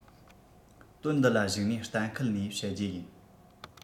དོན འདི ལ གཞིགས ནས གཏན འཁེལ ནས བཤད རྒྱུ ཡིན